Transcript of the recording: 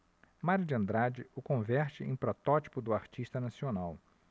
mário de andrade o converte em protótipo do artista nacional